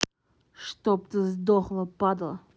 чтоб ты сдохла падла